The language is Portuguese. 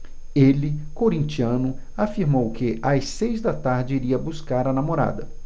ele corintiano afirmou que às seis da tarde iria buscar a namorada